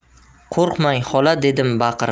qo'rqmang xola dedim baqirib